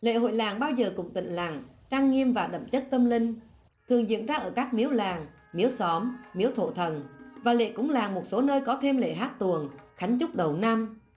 lễ hội làng bao giờ cũng tĩnh lặng trang nghiêm và đậm chất tâm linh thường diễn ra ở các miếu làng miếu xóm miếu thổ thần và lệ cúng làng một số nơi có thêm lễ hát tuồng khánh chúc đầu năm